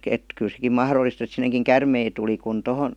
että kyllä sekin mahdollista että sinnekin käärmeitä tuli kun tuohon